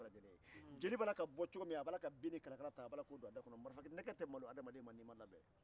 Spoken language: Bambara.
marifanɛgɛ tɛ malo adamaden ma n'i ma labɛn